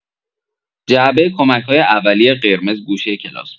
جعبه کمک‌‌های اولیه قرمز گوشه کلاس بود.